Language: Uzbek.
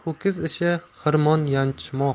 ho'kiz ishi xirmon yanchmoq